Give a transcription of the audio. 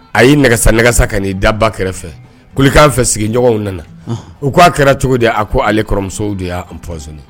A y'i nagasa nagasa ka t'i da i ba kɛrɛ fɛ, kulekan fɛ sigiɲɔgɔnw nana , u k'a kɛra cogo di? a ko ale kɔrɔmuso de ye emposonné